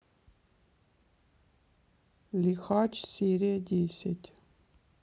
лихач серия десять